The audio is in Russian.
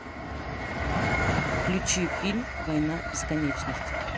включи фильм война бесконечности